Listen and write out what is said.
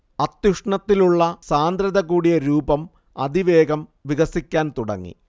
അത്യുഷ്ണത്തിലുള്ള സാന്ദ്രതകൂടിയ രൂപം അതിവേഗം വികസിക്കാൻ തുടങ്ങി